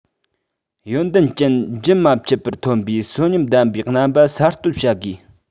ཡོན ཏན ཅན རྒྱུན མ ཆད པར ཐོན པའི གསོན ཉམས ལྡན པའི རྣམ པ གསར གཏོད བྱ དགོས